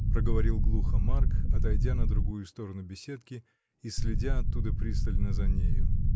— проговорил глухо Марк, отойдя на другую сторону беседки и следя оттуда пристально за нею.